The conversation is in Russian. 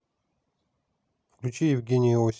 включи евгения осина